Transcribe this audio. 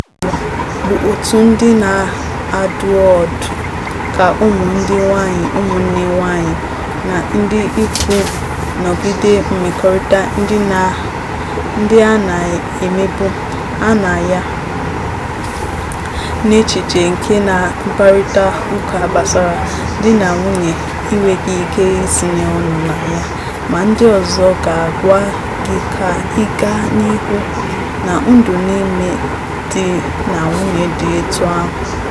Ụfọdụ ndị na … na-ekwusi ike na ọ bụ nnukwu ihe [ikwu okwu megide omume mkpagbu n'ụlọ], bụ otu ndị na-adụ ọdụ ka ụmụ ndị nwaanyị, ụmụnne nwaanyị, na ndị ikwu nọgide mmekọrịta ndị a na-emegbu ha na ya, n'echiche nke na mkparịtaụka gbasara di na nwunye i nweghị ike itinye ọnụ na ya, ma ndị ọzọ ga-agwa gị ka ị gaa n'ihu, na ndụ n'ime di na nwunye dị etu ahụ...